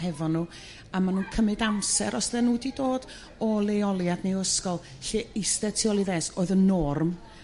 hefo nhw a ma'n nhw'n cym'yd amser os 'dyn nhw 'di dod o leoliad neu o ysgol lle 'iste' tu ol iddesg oedd yn norm